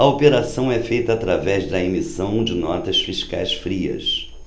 a operação é feita através da emissão de notas fiscais frias